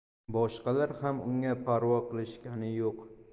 boshqalar ham unga parvo qilishgani yo'q